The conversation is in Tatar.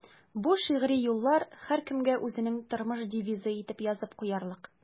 Бу шигъри юллар һәркемгә үзенең тормыш девизы итеп язып куярлык.